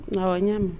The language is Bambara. Naamu n y'a mɛn